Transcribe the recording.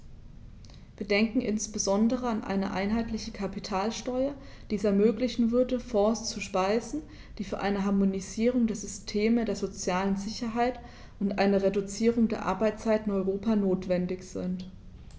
Wir denken insbesondere an eine einheitliche Kapitalsteuer, die es ermöglichen würde, Fonds zu speisen, die für eine Harmonisierung der Systeme der sozialen Sicherheit und eine Reduzierung der Arbeitszeit in Europa notwendig sind.